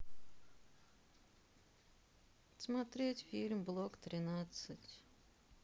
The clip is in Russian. смотреть фильм блок тринадцать